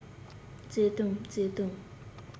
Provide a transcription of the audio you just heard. བརྩེ དུང བརྩེ དུང